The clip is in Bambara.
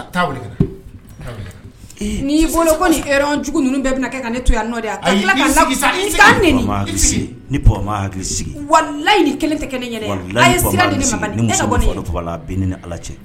N'i bolo ko nijugu ninnu bɛɛ bɛna kɛ ka ne to nɔ sigi ni kelen tɛ ni ala cɛ